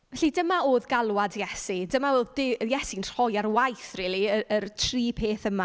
Felly dyma oedd galwad Iesu. Dyma oedd du- Iesu'n rhoi ar waith, rili, yy yr tri peth yma.